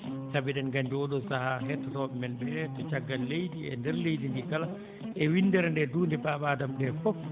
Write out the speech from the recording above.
sabi eɗen nganndi oo ɗoo sahaa hettotooɓe men ɓe to caggal leydi e nder leydi ndi kala e windere nde dunde Baba Adama ɓe fof